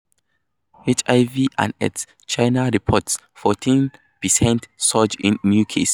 HIV/Aids: China reports 14% surge in new cases